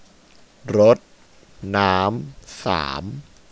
รดน้ำสาม